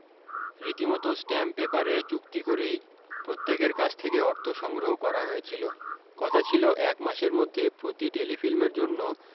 রীতিমতো স্ট্যাম্প পেপারে চুক্তি করেই প্রত্যেকের কাছ থেকে অর্থ সংগ্রহ করা হয়েছিলো কথা ছিল এক মাসের মধ্যে প্রতি টেলিফিল্মের জন্য